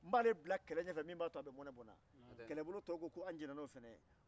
a b'ale bila kɛlɛ ɲɛfɛ walasa ka mɔnɛ bɔ n na